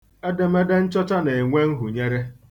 Edemede nchọcha na-enwe nhunyere.